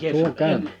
tulkaa